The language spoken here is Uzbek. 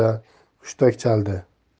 darajada hushtak chaldi